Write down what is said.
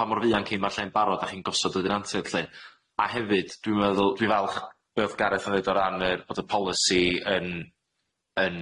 pa mor fuan cyn ma'r lle'n barod a chi'n gosod y denantiaid lly a hefyd dwi'n meddwl dwi'n falch yy wrth Gareth a ddeud o ran yr bod y polisi yn yn